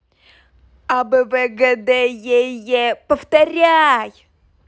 а б в г д е е повторяй